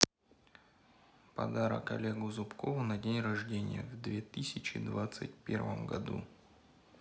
подарок олегу зубкову на день рождения в две тысячи двадцать первом году